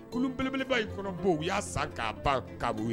Kulubelebeleba in kɔnɔbɔ u y'a san k'a ban kab